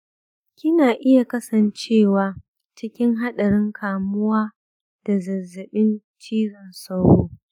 kina iya kasancewa cikin haɗarin kamuwa da zazzabin cizon sauro.